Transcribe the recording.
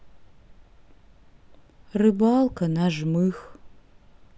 рыбалка на жмых